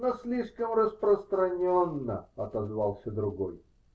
-- Но слишком распространенно, -- отозвался другой.